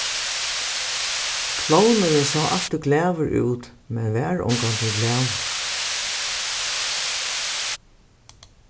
klovnurin sá altíð glaður út men var ongantíð glaður